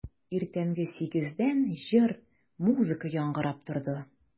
Иртәнге сигездән җыр, музыка яңгырап торды.